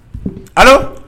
A